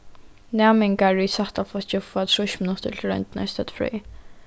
næmingar í sætta flokki fáa trýss minuttir til royndina í støddfrøði